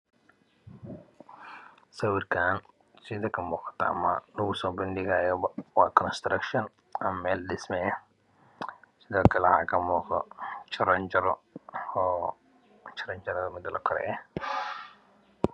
Sawirkan sida kamuuqata ama lagu soo bandhigayoba waa constraction ama meel dhismaha ah sidookale waxaa kamuuqdo jaraanjaro oo jaranjarada mida lakora ah